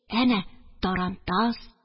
Әнә тарантас